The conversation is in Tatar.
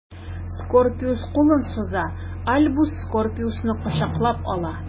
Скорпиус кулын суза, Альбус Скорпиусны кочаклап ала.